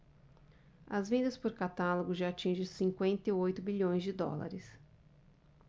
as vendas por catálogo já atingem cinquenta e oito bilhões de dólares